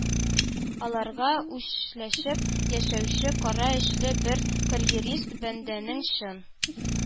Аларга үчләшеп яшәүче, кара эчле бер карьерист бәндәнең чын